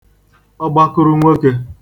ọgbakụrụnwokē